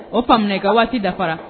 O fa ka waati dafara